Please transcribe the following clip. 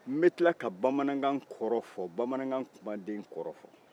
n bɛ tila ka bamanankan kɔrɔ fɔ bamanankan kumaden kɔrɔ fɔ